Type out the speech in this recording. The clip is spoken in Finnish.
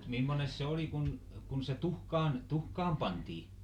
mutta mimmoinen se oli kun kun se tuhkaan tuhkaan pantiin